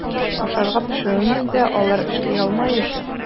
Ашарга пешерүне дә алар эшли алмаячак.